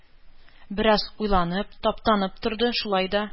Бераз уйланып, таптанып торды, шулай да